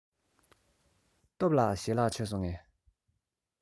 སྟོབས ལགས ཞལ ལག མཆོད སོང ངས